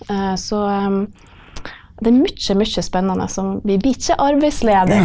så det er mye mye spennende som vi blir ikke arbeidsledig.